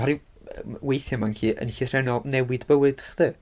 Oherwydd weithiau ma'n gallu yn llythrennol newid bywyd chdi.